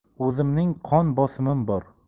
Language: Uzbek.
o'zimning qon bosimim bor